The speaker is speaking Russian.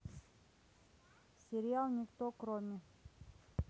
сериал никто кроме